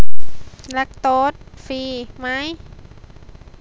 แลคโตสฟรีไหม